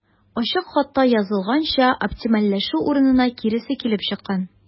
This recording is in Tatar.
Ачык хатта язылганча, оптимальләшү урынына киресе килеп чыккан.